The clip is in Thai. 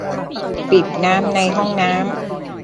ปิดน้ำในห้องน้ำ